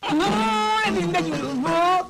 San yo